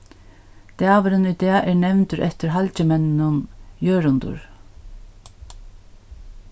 dagurin í dag er nevndur eftir halgimenninum jørundur